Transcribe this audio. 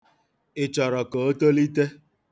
Ị chọrọ ka o tolite?